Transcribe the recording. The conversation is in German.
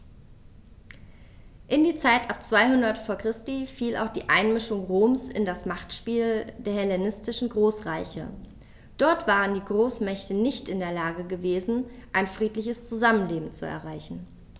In die Zeit ab 200 v. Chr. fiel auch die Einmischung Roms in das Machtspiel der hellenistischen Großreiche: Dort waren die Großmächte nicht in der Lage gewesen, ein friedliches Zusammenleben zu erreichen.